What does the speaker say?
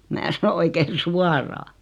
minä sanoin oikein suoraan